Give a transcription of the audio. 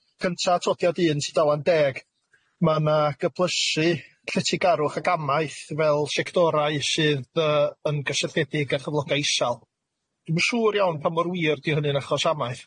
Cynta' atodiad un, tudalen deg. Ma' 'na gyplysu lletygarwch ac amaeth fel secdorau sydd yy yn gysylltiedig â chyflogau isal. Dw'm yn siwr iawn pa mor wir 'di hynny'n achos amaeth.